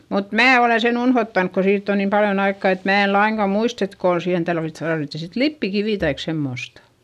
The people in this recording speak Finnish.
mutta minä olen sen unohtanut kun siitä on niin paljon aikaa että minä en lainkaan muista että kun siihen - tarvittiin sitten lipeäkiveä tai semmoista